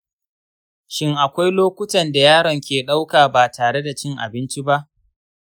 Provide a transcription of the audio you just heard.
shin akwai lokutan da yaron ke ɗauka ba tare da cin abinci ba?